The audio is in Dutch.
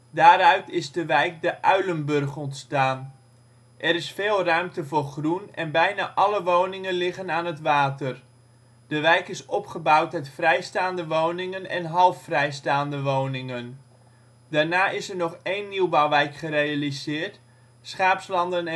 Daaruit is de wijk de Uilenburg ontstaan. Er is veel ruimte voor groen en bijna alle woningen liggen aan het water. De wijk is opgebouwd uit vrijstaande woningen en halfvrijstaanden woningen. Daarna is er nog één nieuwbouwwijk gerealiseerd: Schaapslanden